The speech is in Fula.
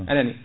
anani